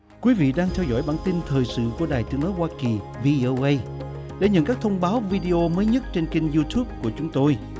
quý vị đang theo dõi bản tin thời sự của đài tiếng nói hoa kỳ vi ô ây để nhận các thông báo vi đê ô mới nhất trên kênh diu túp của chúng tôi